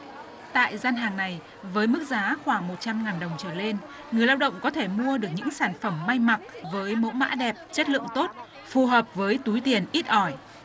tại gian hàng này với mức giá khoảng một trăm ngàn đồng trở lên người lao động có thể mua được những sản phẩm may mặc với mẫu mã đẹp chất lượng tốt phù hợp với túi tiền ít ỏi